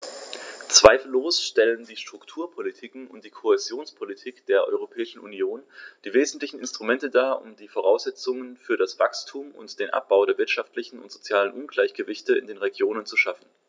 Zweifellos stellen die Strukturpolitiken und die Kohäsionspolitik der Europäischen Union die wesentlichen Instrumente dar, um die Voraussetzungen für das Wachstum und den Abbau der wirtschaftlichen und sozialen Ungleichgewichte in den Regionen zu schaffen.